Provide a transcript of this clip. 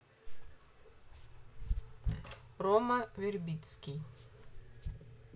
roma вербицкий